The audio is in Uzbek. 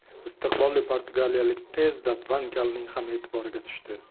istiqbolli portugaliyalik tezda van galning ham e'tiboriga tushdi